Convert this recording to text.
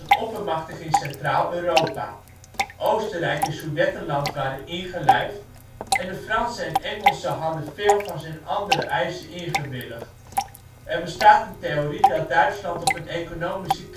oppermachtig in Centraal-Europa. Oostenrijk en Sudetenland waren ingelijfd, en de Fransen en Engelsen hadden veel van zijn andere eisen ingewilligd. Er bestaat een theorie dat Duitsland op een economische